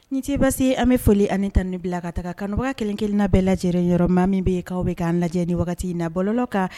Ni ceeba se an bɛ foli ani tan ni bila ka taga kanbaga kelenkelenna bɛɛ lajɛ lajɛlen yɔrɔ maa min bɛ k'aw bɛ k' an lajɛ ni wagati nabɔlɔ kan